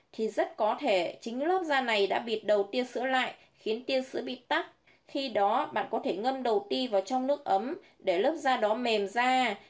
thì rất có thể chính lớp da này đã bịt đầu tia sữa lại khiến tia sữa bị tắc khi đó bạn có thế ngâm đầu ti vào trong nước ấm để lớp da đó mềm ra